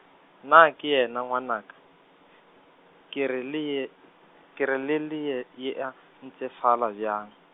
naa ke yena ngwanaka, ke re le ye, ke re le le ye ye a, ntsefela bjang?